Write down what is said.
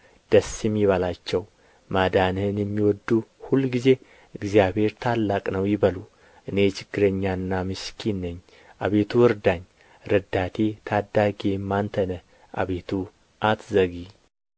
ደስ ይበላቸው ማዳንህን የሚወድዱ ሁልጊዜ እግዚአብሔር ታላቅ ነው ይበሉ እኔ ችግረኛና ምስኪን ነኝ አቤቱ እርዳኝ ረዳቴ ታዳጊዬም አንተ ነህ አቤቱ አትዘግይ